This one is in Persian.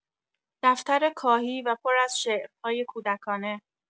دفتر کاهی و پر از شعرهای کودکانه